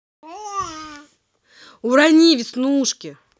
урони веснушки